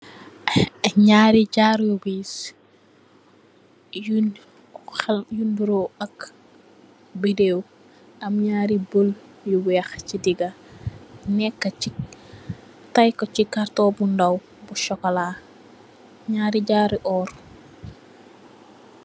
Ñaari jaru wiis yu niro ak bidiw am ñaari bul yu wèèx ci diga. Tay ko ci karton bu ndaw bu sokola. Ñaari jaru oór.